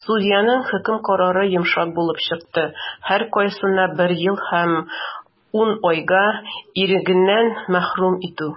Судьяның хөкем карары йомшак булып чыкты - һәркайсына бер ел һәм 10 айга ирегеннән мәхрүм итү.